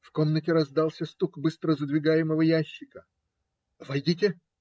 В комнате раздался стук быстро задвигаемого ящика. - Войдите!